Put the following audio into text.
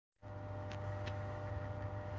bu uni qanday tarkib bilan to'ldirishingizga bog'liq